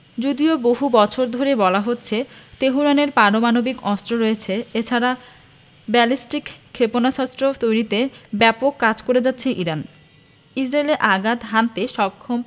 যদিও বহু বছর ধরে বলা হচ্ছে তেহরানের পারমাণবিক অস্ত্র রয়েছে এ ছাড়া ব্যালিস্টিক ক্ষেপণাস্ত্র তৈরিতে ব্যাপক কাজ করে যাচ্ছে ইরান ইসরায়েলে আঘাত হানতে সক্ষম